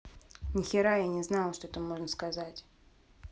нихера я не знала что это можно заказать